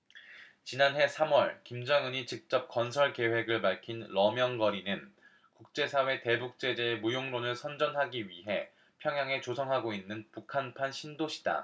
지난해 삼 월 김정은이 직접 건설 계획을 밝힌 려명거리는 국제사회 대북 제재의 무용론을 선전하기 위해 평양에 조성하고 있는 북한판 신도시다